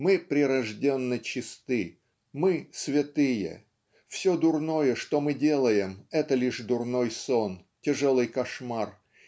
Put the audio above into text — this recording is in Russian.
мы прирожденно чисты, мы - святые все дурное что мы делаем это лишь дурной сон тяжелый кошмар